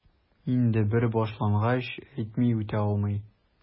Инде бер башлангач, әйтми үтә алмыйм...